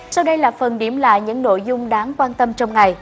sau đây là phần điểm lại những nội dung đáng quan tâm trong ngày